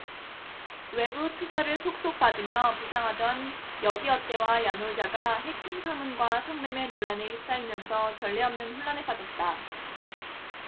외부투자를 속속 받으며 부상하던 여기어때와 야놀자가 해킹 파문과 성매매 논란에 휩싸이면서 전례 없는 혼란에 빠졌다